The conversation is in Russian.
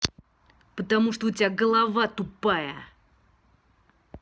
потому что у тебя голова тупая